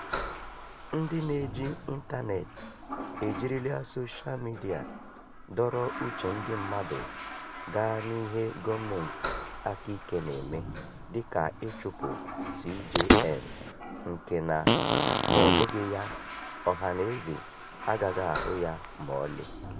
Ndị na-eji ịntaneetị ejirila soshaa midịa dọrọ uche ndị mmadụ gaa n'ihe gọọmentị aka ike na-eme dịka ịchụpụ CJN, nke na ma ọ bụghị ya, ọha na eze agaghị ahụ ya ma ọlị.